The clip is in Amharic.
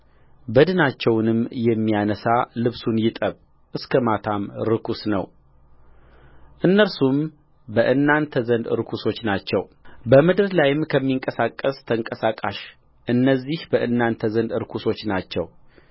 በድናቸውንም የሚያነሣ ልብሱን ይጠብ እስከ ማታም ርኩስ ነው እነርሱም በእናንተ ዘንድ ርኩሶች ናቸውበምድር ላይም ከሚንቀሳቀስ ተንቀሳቅሳሽ እነዚህ በእናንተ ዘንድ ርኩሶች ናቸው